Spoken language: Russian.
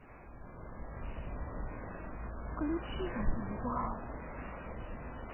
включи розенбаум